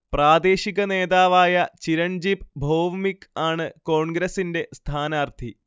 പ്രാദേശിക നേതാവായ ചിരൺജിബ് ഭോവ്മിക് ആണ് കോൺഗ്രസിന്റെ സ്ഥാനാർത്ഥി